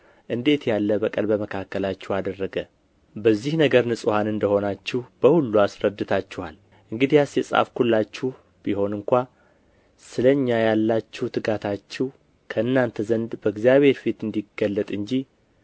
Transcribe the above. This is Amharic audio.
እንዴት ያለ በቀል በመካከላችሁ አደረገ በዚህ ነገር ንጹሐን እንደ ሆናችሁ በሁሉ አስረድታችኋል እንግዲያስ የጻፍሁላችሁ ብሆን እንኳ ስለ እኛ ያላችሁ ትጋታችሁ ከእናንተ ዘንድ በእግዚአብሔር ፊት እንዲገለጥ እንጂ